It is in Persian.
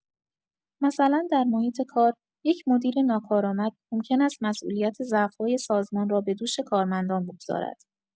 مثلا در محیط کار، یک مدیر ناکارآمد ممکن است مسئولیت ضعف‌های سازمان را به دوش کارمندان بگذارد.